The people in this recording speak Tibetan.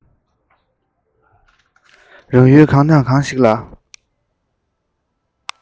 རང ཡུལ གང དང གང ཞིག ལ